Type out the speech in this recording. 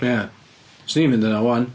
Ia, 'swn i'n mynd yna 'wan.